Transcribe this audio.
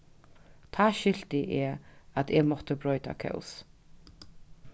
tá skilti eg at eg mátti broyta kós